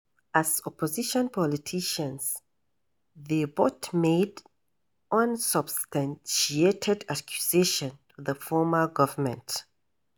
As opposition politicians, they both made unsubstantiated accusations to the former government.